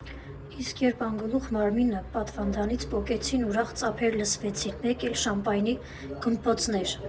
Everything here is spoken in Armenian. Իսկ երբ անգլուխ մարմինը պատվանդանից պոկեցին, ուրախ ծափեր լսվեցին, մեկ էլ՝ շամպայնի գմփոցներ։